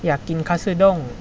อยากกินคัทสึด้ง